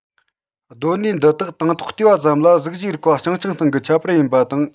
སྡོད གནས འདི དག དང ཐོག བལྟས པ ཙམ ལ གཟུགས གཞིའི རིག པ རྐྱང རྐྱང སྟེང གི ཁྱད པར ཡིན པ དང